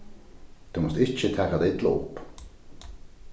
tú mást ikki taka tað illa upp